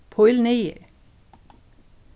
píl niður